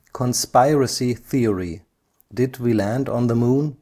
Conspiracy Theory: Did We Land on the Moon